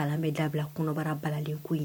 Kalan bɛ dabila kɔnɔbara balalenko yen